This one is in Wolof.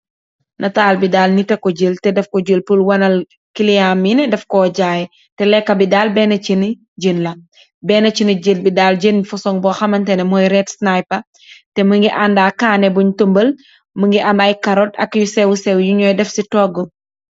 Nital bi dal nita ko jal, ta daf ko jal por wanal kiliyanam ye ne dal daf ko jaay, ta leka bi dal benacin ni jen la, benacini jen bi dal, jenni foson bo xamante ni moy red sniper te mingi anda kaane bunj tambal, mingi am ay karot ak yu sewsew yu nyuuy def si toggu